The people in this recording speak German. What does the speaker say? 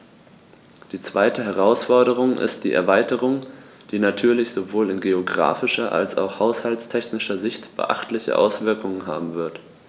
Die zweite Herausforderung ist die Erweiterung, die natürlich sowohl in geographischer als auch haushaltstechnischer Sicht beachtliche Auswirkungen haben wird.